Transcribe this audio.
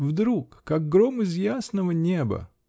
Вдруг, как гром из ясного неба.